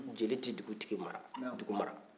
jeli tɛ dugu mara